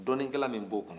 dɔnikɛla min b'o kɔnɔ